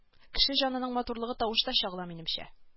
Кеше җанының матурлыгы тавышта чагыла минемчә